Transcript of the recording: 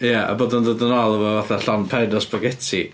Ie, a bod yn dod yn ôl efo fatha llond pen o spaghetti.